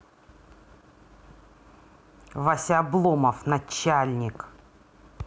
вася обломов начальник